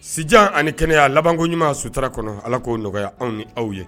Sijan ani kɛnɛya labankoɲuman sutura kɔnɔ Ala k'o nɔgɔya anw ni aw ye